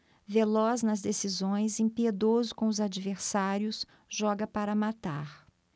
veloz nas decisões impiedoso com os adversários joga para matar